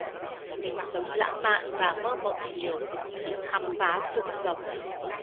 mình sống lãng mạn và mơ mộng nhiều thích khám phá cuộc sống